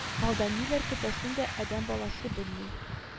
Алда ниләр көтәсен дә адәм баласы белми